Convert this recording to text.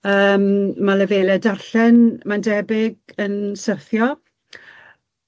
Yym ma' lefele darllen mae'n debyg yn syrthio.